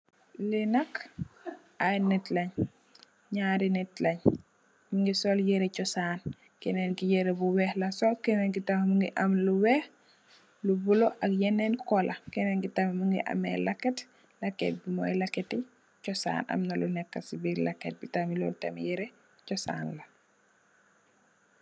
Li nak ay nit lèèn, ñaari nit lèèn, ñu ngi sol yirèh cosaan, kenen ki yirèh bu wèèx la sol , kenen tam mugii ameh lu wèèx , lu bula ak yenen kola. Kenen ki tam mugii ameh lékk, lékk bu moy lékk ti cosaan am na lu nekka si biir lékk bi lotam yirèh cosaan la.